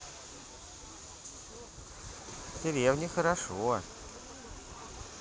в деревне хорошо